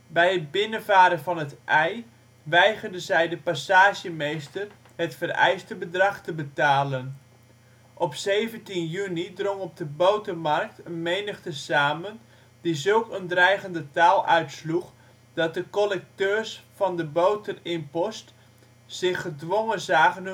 Bij het binnenvaren van het IJ weigerden zij de passagemeester het vereiste bedrag te betalen. Op 17 juni drong op de Botermarkt een menigte samen die zulk een dreigende taal uitsloeg dat de collecteurs van de boterimpost zich gedwongen zagen